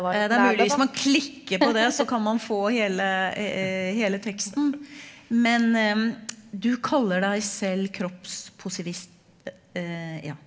det er mulig hvis man klikker på det så kan man få hele hele teksten, men du kaller deg selv ja.